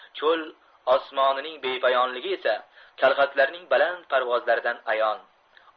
chol osmonining bepoyonligi esa kalxatlarning baland parvozlaridan ayon